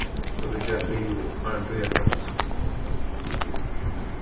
so vit gerast liðug áðrenn tíðarfreistina